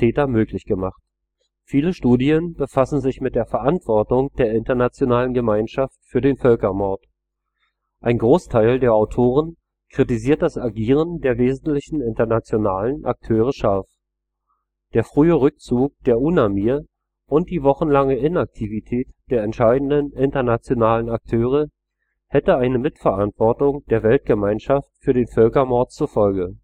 Täter möglich gemacht. Viele Studien befassen sich mit der Verantwortung der internationalen Gemeinschaft für den Völkermord. Ein Großteil der Autoren kritisiert das Agieren der wesentlichen internationalen Akteure scharf. Der frühe Rückzug der UNAMIR und die wochenlange Inaktivität der entscheidenden internationalen Akteure hätten eine Mitverantwortung der Weltgemeinschaft für den Völkermord zur Folge